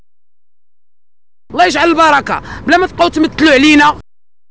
لما تقول تمثل علينا